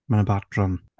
Ma' 'na batrwm.